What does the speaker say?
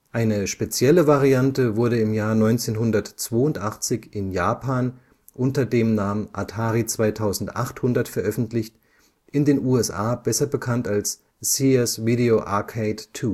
Eine spezielle Variante wurde 1982 in Japan unter dem Namen Atari 2800 veröffentlicht, in den USA besser bekannt als Sears Video Arcade II